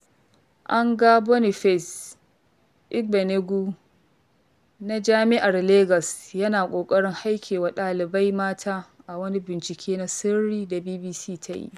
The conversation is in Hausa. An ga Boniface Igbeneghu na Jami'ar Legas yana ƙoƙarin haikewa ɗalibai mata a wani bincike na sirri da BBC ta yi.